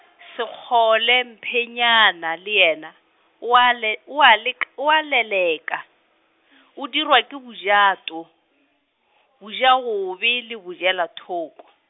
Sekgole Mphonyana le yena, o a le, o a lek-, o a le leleka , o dirwa ke bojato, bojagobe le bojelathoko.